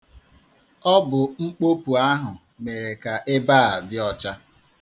Ọ bụ mkpopu ahụ mere ka ebe a dị ọcha.